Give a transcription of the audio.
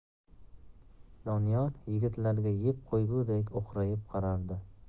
doniyor yigitlarga yeb qo'ygudek o'qrayib qarardi